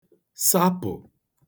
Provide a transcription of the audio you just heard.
sapụ̀